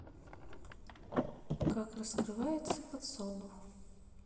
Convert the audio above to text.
как раскрывается подсолнух